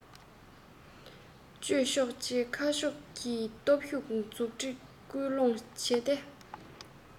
མཚོ སྔོན བཅས ཞིང ཆེན བཞིའི བོད རིགས ས ཁུལ དུའང